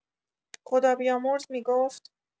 خدابیامرز می‌گفت